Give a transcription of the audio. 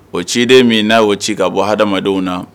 O ciden min n'a'o ci ka bɔ hadamadenw na